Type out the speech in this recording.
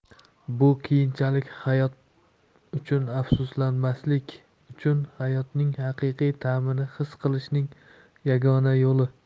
bu keyinchalik hayot uchun afsuslanmaslik uchun hayotning haqiqiy ta'mini his qilishning yagona yo'li